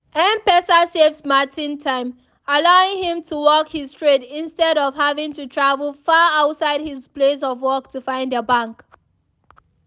M-PESA saves Martin time, allowing him to work his trade instead of having to travel far outside his place of work to find a bank.